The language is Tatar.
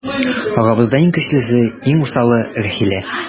Арабызда иң көчлесе, иң усалы - Рәхилә.